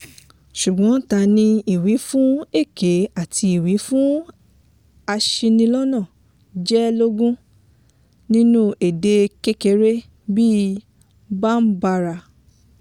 Ṣùgbọ́n tani ìwífún èké àti ìwífún aṣinilọ́nà jẹ lógún nínú èdè kékeré bíi Bambara?